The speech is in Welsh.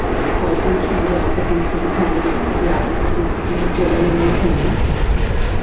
falle pawb ddim yn siŵr iawn beth yw beth yw cenedl ambell i air, felly dwi'n dueddol o wneud hynny.